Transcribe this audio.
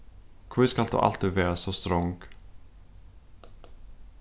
hví skalt tú altíð vera so strong